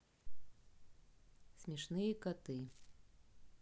смешные коты